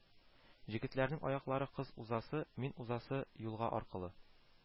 Җегетләрнең аяклары кыз узасы, мин узасы юлга аркылы